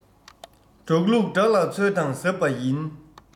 འགྲོགས ལུགས དགྲ ལ འཚོལ དང ཟབ པ ཡིན